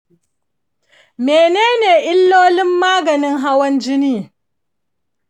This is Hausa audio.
menene illolin maganin hawan jini?